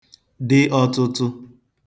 dị ọ̄tụ̄tụ̄